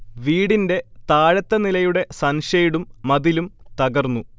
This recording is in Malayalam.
വീടിൻെറ താഴത്തെ നിലയുടെ സൺേഷഡും മതിലും തകർന്നു